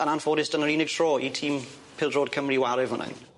Yn anffodus dyna'r unig tro i tîm pêl drod Cymru ware fyn 'yn.